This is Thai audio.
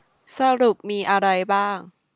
สรุปมีอะไรบ้าง